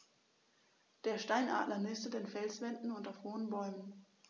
Der Steinadler nistet in Felswänden und auf hohen Bäumen.